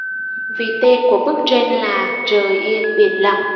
vì tên của bức tranh là trời yên biển lặng